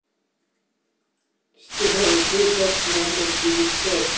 сделай вызов номер девятьсот